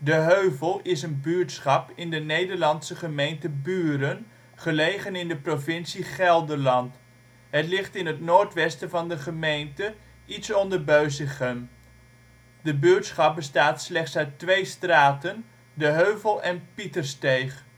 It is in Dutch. Heuvel is een buurtschap in de Nederlandse gemeente Buren, gelegen in de provincie Gelderland. Het ligt in het noordwesten van de gemeente, iets onder Beusichem. Het buurtschap bestaat slechts uit twee straten: De Heuvel en Pietersteeg